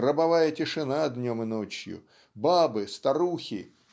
гробовая тишина днем и ночью бабы старухи